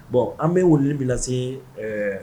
Bon an bɛ wu bɛna se